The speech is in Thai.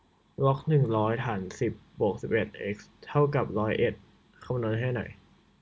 ล็อกหนึ่งร้อยฐานสิบบวกสิบเอ็ดเอ็กซ์เท่ากับร้อยเอ็ดคำนวณให้หน่อย